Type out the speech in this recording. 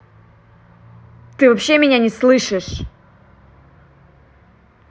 ты вообще меня слышишь